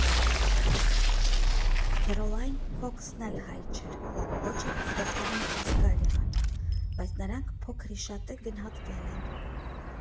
(Քերոլայն Քոքսն էլ հայ չէր, ոչ էլ Ցվետանա Պասկալևան, բայց նրանք փոքր ի շատե գնահատվել են)։